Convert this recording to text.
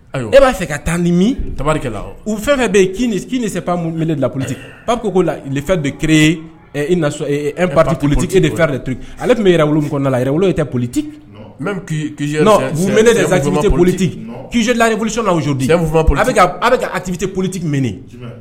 E b'a fɛ ka taa ni min tari u fɛn fɛn bɛ yeni lakunoliti pa ko dɔ ke nap politi ni fɛnɛrɛ de to ale tun e yɛrɛ wolo aolo tɛ politibji tɛoliti kiizlaolisi n'zooli a bɛ a tipibite polititi m